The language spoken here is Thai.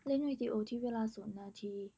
เล่นวีดีโอที่เวลาศูนย์นาที